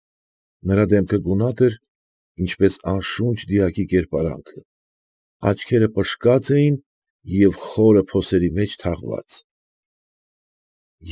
Նրա դեմքը գունատ էր ինչպես անշունչ դիակի կերպարանքը, աչքերը պշկած էին և խորը փոսերի մեջ թաղված։